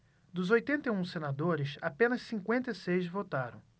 dos oitenta e um senadores apenas cinquenta e seis votaram